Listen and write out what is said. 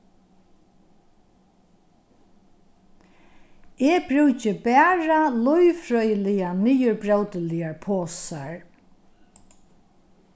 eg brúki bara lívfrøðiliga niðurbrótiligar posar